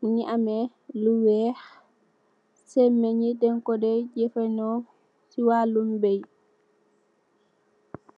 muge ameh lu weex semeng ye dang ku de jefano se walum baaye.